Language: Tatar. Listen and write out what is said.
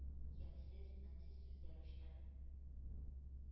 Ямьсез, мәнсез сүзләр очты.